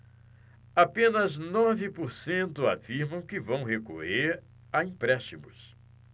apenas nove por cento afirmam que vão recorrer a empréstimos